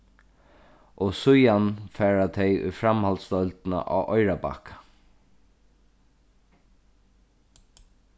og síðan fara tey í framhaldsdeildina á oyrarbakka